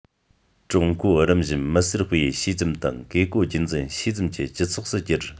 ཀྲུང གོ རིམ བཞིན མི སེར སྤེལ ཡུལ ཕྱེད ཙམ དང བཀས བཀོད རྒྱུད འཛིན ཕྱེད ཙམ གྱི སྤྱི ཚོགས སུ གྱུར